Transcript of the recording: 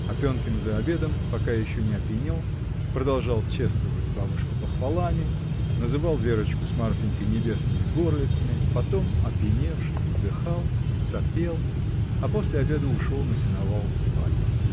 Опенкин за обедом, пока еще не опьянел, продолжал чествовать бабушку похвалами, называл Верочку с Марфинькой небесными горлицами, потом, опьяневши, вздыхал, сопел, а после обеда ушел на сеновал спать.